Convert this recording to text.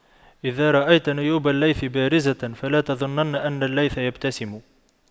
إذا رأيت نيوب الليث بارزة فلا تظنن أن الليث يبتسم